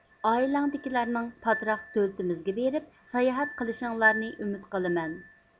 ئائىلەڭدىكىلەرنىڭ پاتراق دۆلىتىمىزگە بېرىپ ساياھەت قىلىشىڭلارنى ئۈمىد قىلىمەن